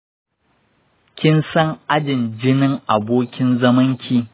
kin san ajin jinin abokin zamanki?